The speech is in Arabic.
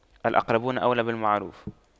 الأقربون أولى بالمعروف